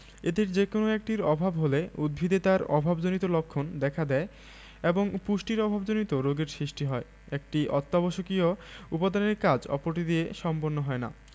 এদের যেকোনো একটির অভাব হলে উদ্ভিদে তার অভাবজনিত লক্ষণ দেখা দেয় এবং পুষ্টির অভাবজনিত রোগের সৃষ্টি হয় একটি অত্যাবশ্যকীয় উপাদানের কাজ অপরটি দিয়ে সম্পন্ন হয় না